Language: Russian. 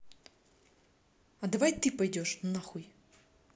а давай ты пойдешь нахуй